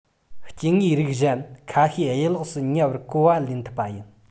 སྐྱེ དངོས རིགས གཞན ཁ ཤས གཡས ལོགས སུ ཉལ བར གོ བ ལེན ཐུབ པ ཡིན